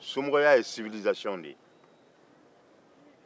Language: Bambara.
somɔgɔya ye civilisation